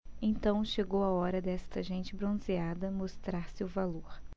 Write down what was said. então chegou a hora desta gente bronzeada mostrar seu valor